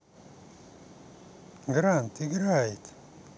grand играет